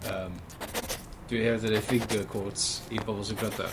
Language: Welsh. Yym, dwi hefyd yn neud finger quotes i pobol sy'n gwrando.